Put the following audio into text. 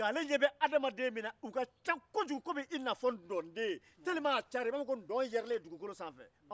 ale ɲɛ bɛ adama na a ka ca i b'a fɔ ko ntɔnden